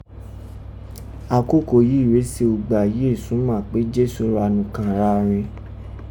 akoko yii rèé se ùgbà eyi esu mà ṕe Jesu ra nùkàn gha rin